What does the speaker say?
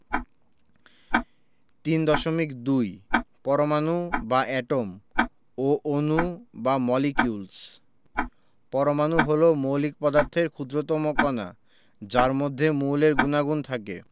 ৩.২ পরমাণু বা এটম ও অণু বা মলিকিউলস পরমাণু হলো মৌলিক পদার্থের ক্ষুদ্রতম কণা যার মধ্যে মৌলের গুণাগুণ থাকে